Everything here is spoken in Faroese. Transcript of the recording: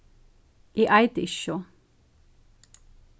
eg eiti ikki so